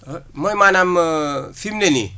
mooy maanaam fi mu ne nii